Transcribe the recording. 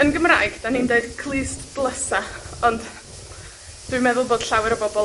Yn Gymraeg, 'dan ni'n deud clust dlysa, ond dwi'n meddwl bod llawer o bobol